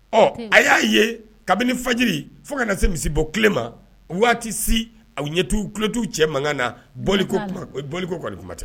Ɔ a y'a ye kabini fajri fo kana na se misi bɔ tilele ma waati si a ɲɛtu kulotu cɛ mankan nako kulubaliliman tɛ